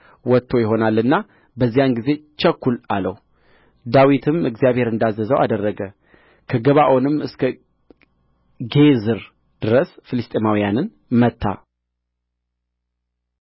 ወጥቶ ይሆናልና በዚያን ጊዜ ቸኵል አለው ዳዊትም እግዚአብሔር እንዳዘዘው አደረገ ከገባዖንም እስከ ጌዝር ድረስ ፍልስጥኤማውያንን መታ